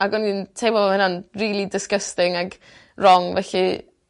Ag o'n i'n teimlo hwnna'n rili disgusting ag rong felly